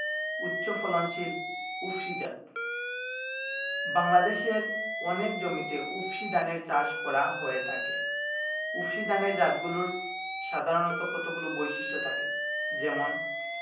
উচ্চফলনশীল উফশী জাতঃ বাংলাদেশের অনেক জমিতে উফশী ধানের চাষ করা হয়ে থাকে উফশী ধানের জাতগুলোর সাধারণত কতগুলো বৈশিষ্ট্য থাকে যেমনঃ